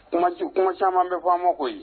Kuma ci kuma caman bɛ fɔ mako